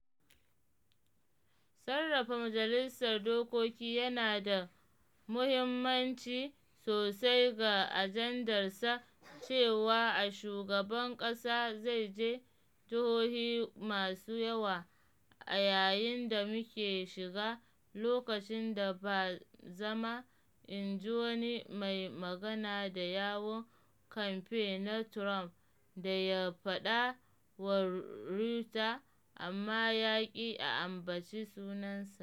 “Sarrafa Majalisar Dokoki yana da muhimmanci sosai ga ajandarsa cewa shugaban ƙasa zai je jihohi masu yawa a yayin da muke shiga lokacin da ba zama,” inji wani mai magana da yawun kamfe na Trump da ya faɗa wa Reuters amma ya ki a ambaci sunansa.